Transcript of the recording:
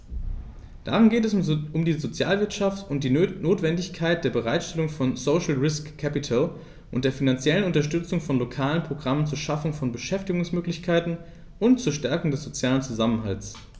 Darin geht es um die Sozialwirtschaft und die Notwendigkeit der Bereitstellung von "social risk capital" und der finanziellen Unterstützung von lokalen Programmen zur Schaffung von Beschäftigungsmöglichkeiten und zur Stärkung des sozialen Zusammenhalts.